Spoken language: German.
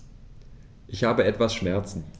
Ich habe etwas Schmerzen.